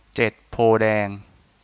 เจ็ดโพธิ์แดง